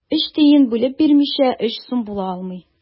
Өч тиен бүлеп бирмичә, өч сум була алмый.